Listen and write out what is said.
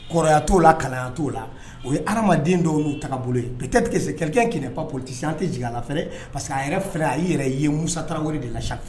Kɔrɔya t'o la kalan t'o la o ye hadamaden dɔw n'u tagabolo ye peut être que c'est quelqu'un qui n'est pas politicien an tɛ jigin a la fana parce que a yɛrɛ fana a y'i tɛrɛ ye Musa TARAWELE de la chaque f